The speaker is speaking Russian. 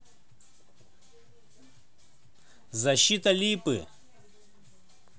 защита липы